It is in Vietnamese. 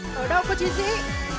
ở đâu có chiến sĩ